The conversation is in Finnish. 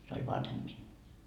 se oli vanhempi minua